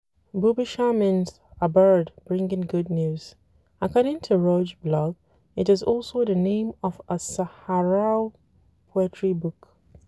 Bubisher means “a bird bringing good news.” According to Roge Blog, it is also the name of a Saharaui poetry book.